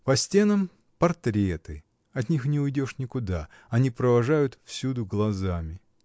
По стенам портреты: от них не уйдешь никуда — они провожают всюду глазами.